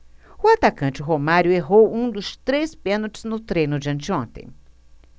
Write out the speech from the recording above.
o atacante romário errou um dos três pênaltis no treino de anteontem